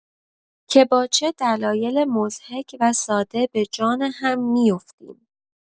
که با چه دلایل مضحک و ساده به جان هم می‌افتیم.